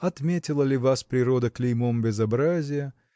отметила ли вас природа клеймом безобразия